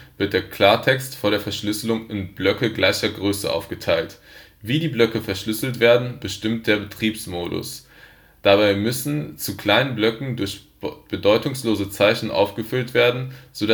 wird der Klartext vor der Verschlüsselung in Blöcke gleicher Größe aufgeteilt. Wie die Blöcke verschlüsselt werden, bestimmt der Betriebsmodus. Dabei müssen zu kleine Blöcke durch bedeutungslose Zeichen aufgefüllt werden, so